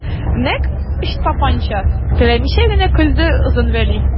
Нәкъ Ычтапанча теләмичә генә көлде Озын Вәли.